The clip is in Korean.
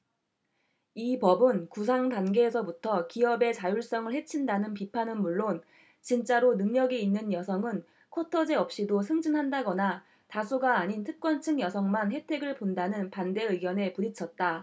이 법은 구상단계에서부터 기업의 자율성을 해친다는 비판은 물론 진짜로 능력이 있는 여성은 쿼터제 없이도 승진한다거나 다수가 아닌 특권층 여성만 혜택을 본다는 반대 의견에 부딪혔다